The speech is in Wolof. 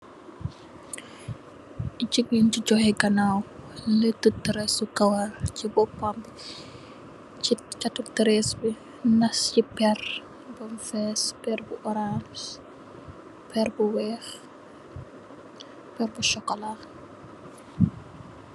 Jigeen bu juxee ganawam, letu tressu kawar ci boppam bi, ci chaiti tress bi nass ci perr bem fess, perr bu orans, bu weex, perr bu sokola.